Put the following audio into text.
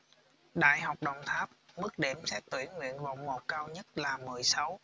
đại học đồng tháp mức điểm xét tuyển nguyện vọng một cao nhất là mười sáu